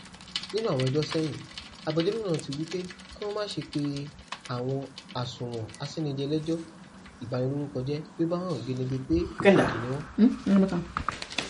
Nínú àwọn ẹjọ́ sẹ́yìn, agbẹjọ́rò náà ti wí pé kí wọ́n má ṣe pé àwọn àsùnwọ̀n asínnijẹ lẹ́jọ́ ìbanilórúkọjẹ́ bí ó bá hàn gedegbe pé òfegè ni wọ́n.